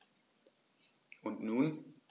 Und nun?